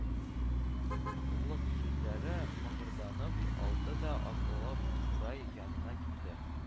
Лык сүзләре мыгырданып алды да атылып курай янына килде